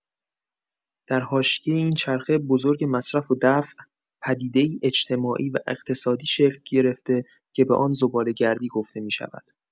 در حاشیه این چرخه بزرگ مصرف و دفع، پدیده‌ای اجتماعی و اقتصادی شکل گرفته که به آن «زباله‌گردی» گفته می‌شود.